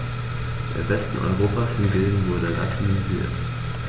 Der Westen Europas hingegen wurde latinisiert.